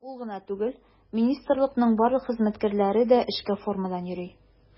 Ул гына түгел, министрлыкның барлык хезмәткәрләре дә эшкә формадан йөри.